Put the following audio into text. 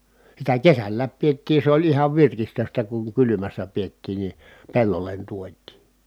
sitä kesälläkin pidettiin se oli ihan virkistystä kun kylmässä pidettiin niin pellolle tuotiin